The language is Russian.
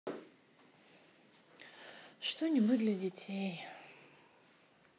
что нибудь для детей